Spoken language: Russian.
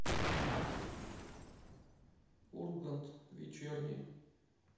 ургант вечерний